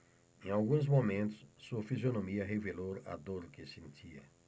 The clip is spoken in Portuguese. em alguns momentos sua fisionomia revelou a dor que sentia